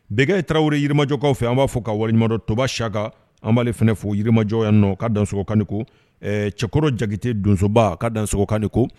Bekayi tarawele yirimajɔkaw fe yen, an ba fɔ ka waleɲumandɔn. Toba saka an bale fana fo yirimajɔ yan nɔ. ka dansɔgɔ ka ni ko. Cɛkoro jakite donsoba ka dansɔgɔ ka ni ko.